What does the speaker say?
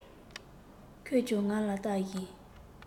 ཁོས ཀྱང ང ལ ལྟ བཞིན